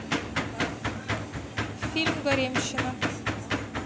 фильм гаремщина